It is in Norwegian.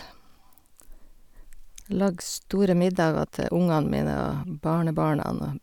Lage store middager til ungene mine og barnebarna og...